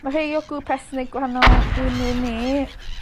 Ma' rhei o grŵp ethnig gwahanol i'n un ni.